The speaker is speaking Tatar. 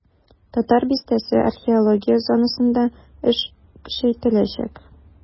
"татар бистәсе" археология зонасында эш көчәйтеләчәк.